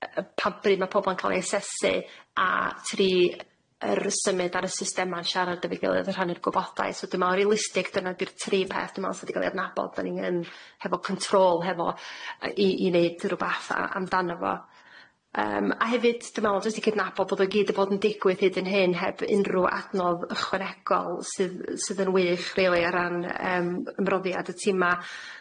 pa bryd ma pobl yn cal'i asesu a tri yr- symud ar y sistema siarad efoi gilydd a rhannu gwybodaeth so dwi mel realistig dyne dir tri peth dwi mel sy di cal ei nabod deni yn hefo control hefo i- i neud rwbath amdan y fo yym a hefyd dwi'n mel jyst i cydnabod bod o gyd 'di bod ym diwgydd hyd yn hyd heb unrhyw adnodd ychwanegol sydd- sydd yn wych rili o ran yym ymroddiad y tima